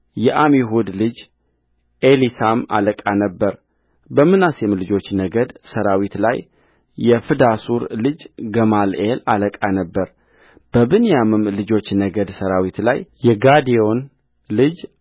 የዓሚሁድ ልጅ ኤሊሳማ አለቃ ነበረበምናሴም ልጆች ነገድ ሠራዊት ላይ የፍዳሱር ልጅ ገማልኤል አለቃ ነበረበብንያምም ልጆች ነገድ ሠራዊት ላይ የጋዴዮን ልጅ